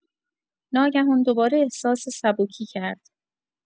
ناگهان دوباره احساس سبکی کرد.